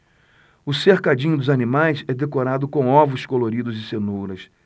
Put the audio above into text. o cercadinho dos animais é decorado com ovos coloridos e cenouras